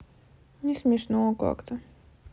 не смешно как то